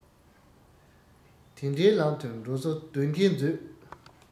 དེ འདྲའི ལམ དུ འགྲོ བཟོ སྡོད མཁས མཛོད